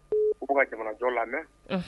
U ka jamanajɔ la